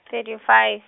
thirty five.